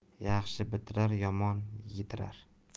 yaxshi bitirar yomon yitirar